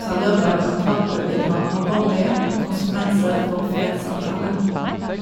sa lørdag at drapet vil ha alvorlige konsekvenser for fredsavtalen.